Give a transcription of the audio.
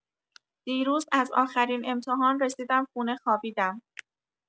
دیروز از آخرین امتحان رسیدم خونه خوابیدم.